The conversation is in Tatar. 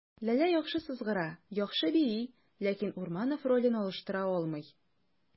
Ләлә яхшы сызгыра, яхшы бии, ләкин Урманов ролен алыштыра алмый.